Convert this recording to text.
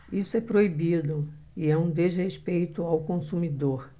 isso é proibido e é um desrespeito ao consumidor